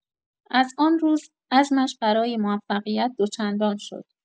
از آن روز، عزمش برای موفقیت دوچندان شد.